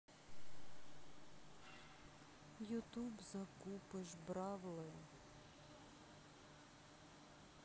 ютуб закупыш бравлы